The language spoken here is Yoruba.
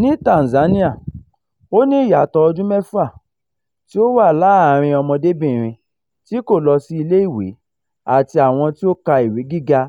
Ní Tanzania, ó ní ìyàtọ̀ ọdún mẹ́fà tí ó wà láàárín ọmọdébìnrin tí kò lọ sí ilé ìwé àti àwọn tí ó ka ìwé gíga